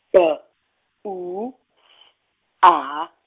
B, U, S, A.